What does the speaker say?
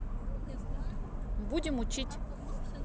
будем учить